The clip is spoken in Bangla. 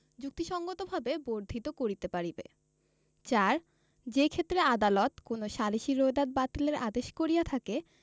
যুক্তিসংগতভাবে বর্ধিত করিতে পারিবে ৪ যেইক্ষেত্রে আদালত কোন সালিসী রোয়েদাদ বাতিলের আদেশ করিয়া থাকে